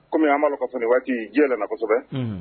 Comme an b'a dɔn ka fɔ ni waati diɲɛ yɛlɛmana kosɛbɛ